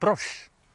brwsh